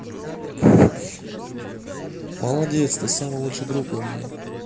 молодец ты самый лучший друг у меня